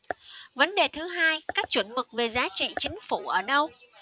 vấn đề thứ hai các chuẩn mực về giá trị chính phủ ở đâu